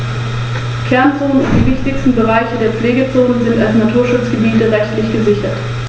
So erging es auch Griechenland und der neuen römischen Provinz Africa nach der Zerstörung Karthagos, welches vor dem Dritten Punischen Krieg wieder an Macht gewonnen hatte.